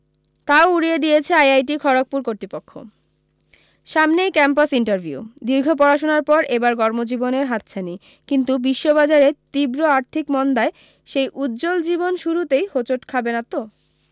তাও উড়িয়ে দিয়েছে আইআইটি খড়গপুর কর্তৃপক্ষ সামনেই ক্যাম্পাস ইন্টারভিউ দীর্ঘ পড়াশোনার পর এবার কর্মজীবনের হাতছানি কিন্তু বিশ্ব বাজারে তীব্র আর্থিক মন্দায় সেই উজ্জ্বল জীবন শুরুতেই হোঁচট খাবে না তো